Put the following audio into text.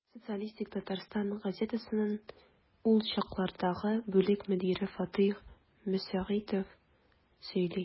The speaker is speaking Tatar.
«социалистик татарстан» газетасының ул чаклардагы бүлек мөдире фатыйх мөсәгыйтов сөйли.